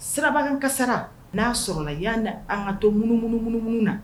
Sirabagan ka sara n'a sɔrɔla yanan da an kato munummunuunuumunu na